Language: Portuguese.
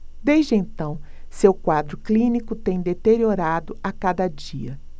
desde então seu quadro clínico tem deteriorado a cada dia